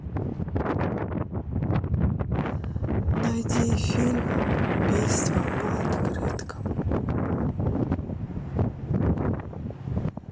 найди фильм убийства по открыткам